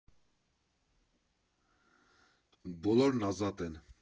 Բոլորն ազատ են։